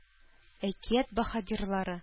Әкият баһадирлары